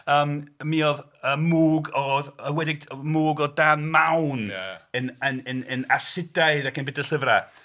Ymm mi oedd y mwg oedd... Yn enwedig y mwg o dân mawn yn... yn... yn asidaidd ac yn byta llyfrau.